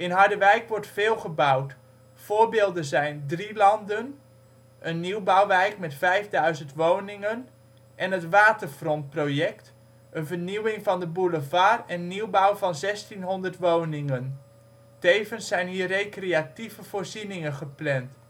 Harderwijk wordt veel gebouwd. Voorbeelden zijn: Drielanden, een nieuwbouwwijk met 5000 woningen het Waterfront-project: vernieuwing van de boulevard en nieuwbouw van 1600 woningen. Tevens zijn hier recreatieve voorzieningen gepland